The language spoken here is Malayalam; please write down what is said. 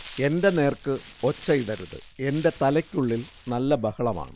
എന്റെ നേർക്ക് ഒച്ചയിടരുത് എന്റെ തലയ്ക്കുള്ളിൽ നല്ല ബഹളമാണ്